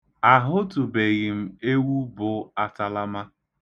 Ahụtụbeghị m ewu bụ atalama.